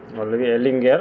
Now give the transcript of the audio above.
walla wiyee Linguére